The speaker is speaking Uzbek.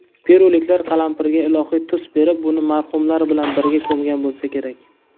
peruliklar qalampirga ilohiy tus berib uni marhumlar bilan birga ko'mgan bo'lsa kerak